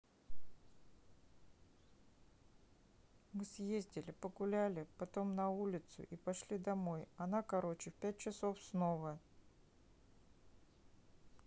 мы съездили погуляли потом на улицу и пошли домой она короче в пять часов снова